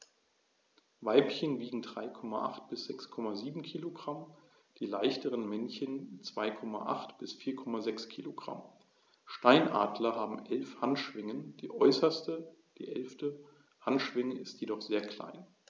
Weibchen wiegen 3,8 bis 6,7 kg, die leichteren Männchen 2,8 bis 4,6 kg. Steinadler haben 11 Handschwingen, die äußerste (11.) Handschwinge ist jedoch sehr klein.